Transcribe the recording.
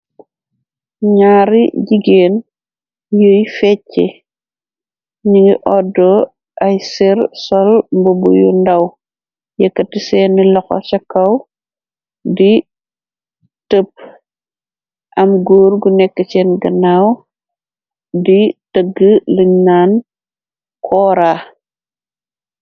Nyaari jigéen yuy fecche ni ngi oddo ay ser sol mbu buyu ndàw yekkati seeni laxo ca kaw di tëpp am góor gu nekke ceen ganaaw di tëgge liñ naan coora.